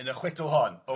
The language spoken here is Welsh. yn y chwedl hon. Reit.